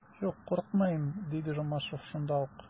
Юк, курыкмыйм, - диде Ромашов шунда ук.